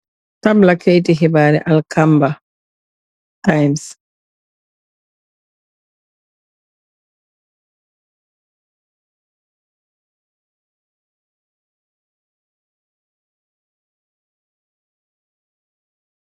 Tam la kaye tihibary alkamba times